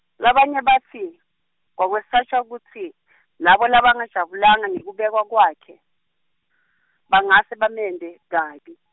labanye batsi, kwakwesatjwa kutsi , labo labangajabulanga ngekubekwa kwakhe, bangahle bamente, kabi.